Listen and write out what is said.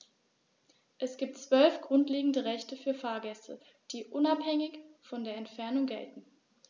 Es gibt 12 grundlegende Rechte für Fahrgäste, die unabhängig von der Entfernung gelten.